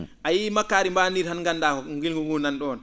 a yiyii makkaari mbaandi nii tan ngandaa ngilngu nguu nan ?oon